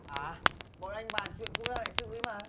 à bọn anh bàn chuyện quốc gia đại sự ý mà